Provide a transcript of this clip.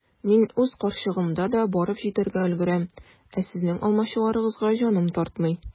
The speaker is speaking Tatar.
Мин үз карчыгымда да барып җитәргә өлгерәм, ә сезнең алмачуарыгызга җаным ятмый.